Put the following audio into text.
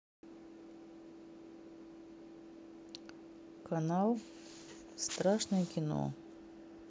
канал страшное кино